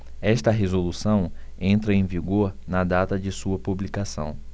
esta resolução entra em vigor na data de sua publicação